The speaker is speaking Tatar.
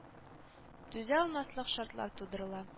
Түзә алмаслык шартлар тудырыла